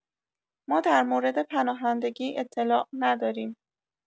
ما در مورد پناهندگی اطلاع نداریم.